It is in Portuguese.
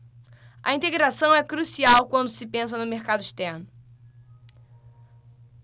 a integração é crucial quando se pensa no mercado externo